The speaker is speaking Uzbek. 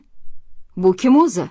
bu kim o'zi